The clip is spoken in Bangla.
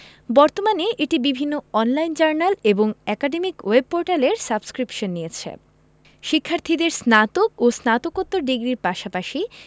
বর্তমানে এটি বিভিন্ন অন লাইন জার্নাল এবং একাডেমিক ওয়েব পোর্টালের সাবস্ক্রিপশান নিয়েছে শিক্ষার্থীদের স্নাতক ও স্নাতকোত্তর ডিগ্রির পাশাপাশি